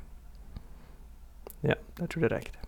Ja, det tror det rekker, det.